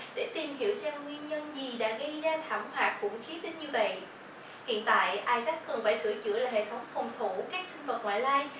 để tìm hiểu xem nguyên nhân gì đã gây ra thảm hoạ khủng khiếp đến như vậy hiện tại isaac cần phải sửa chữa lại hệ thống phòng thủ các sinh vật ngoại lai